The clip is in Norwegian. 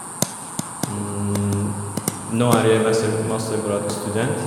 Nå er jeg mester mastergradstudent.